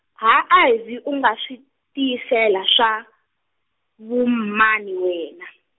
ha Ivy u nga swi tiyisela swa, Vhumani wena?